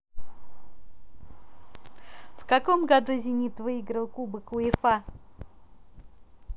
в каком году зенит выиграл кубок уефа